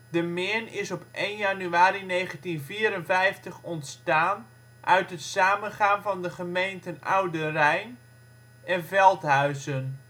De Meern is op 1 januari 1954 ontstaan uit het samengaan van de gemeenten Oudenrijn en Veldhuizen